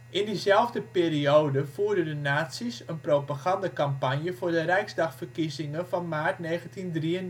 In diezelfde periode voerden de nazi 's een propagandacampagne voor de Rijksdagverkiezingen van maart 1933